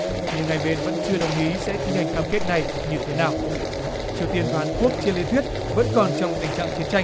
nhưng hai bên vẫn chưa đồng ý sẽ thi hành cam kết này như thế nào triều tiên và hàn quốc trên lý thuyết vẫn còn trong tình trạng chiến tranh